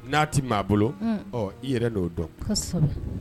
N'a tɛ maa bolo i yɛrɛ'o dɔn